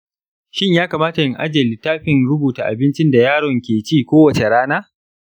shin ya kamata in ajiye littafin rubuta abincin da yaron ke ci kowace rana?